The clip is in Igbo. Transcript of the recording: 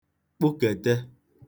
kpụkète